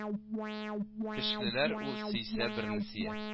Көчлеләр ул сөйсә берне сөя